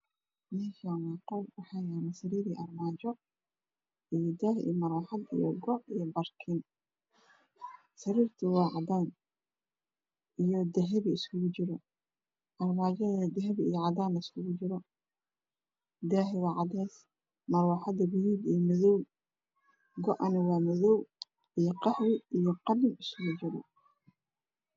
Meshani waa qol waxaa yala sariir iyo marwaxad iyo go iyo barin sariirtu waa cadan dahabi iskugu jira armajadana wa dahabi iyo cadan iskugu jira dahu waa cadees mar waxaduna waa gaduud iyo madow go ana waa madow qaxwi